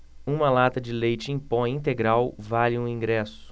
uma lata de leite em pó integral vale um ingresso